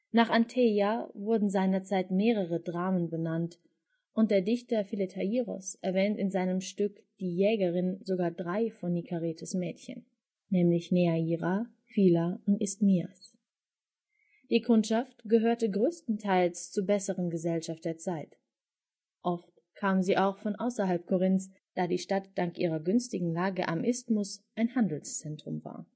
Nach Anteia wurden seinerzeit mehrere Dramen benannt, und der Dichter Philetairos erwähnt in seinem Stück Die Jägerin sogar drei von Nikaretes Mädchen (Neaira, Phila und Isthmias). Die Kundschaft gehörte größtenteils zur besseren Gesellschaft der Zeit. Oft kam sie auch von außerhalb Korinths, da die Stadt dank ihrer günstigen Lage am Isthmus ein Handelszentrum war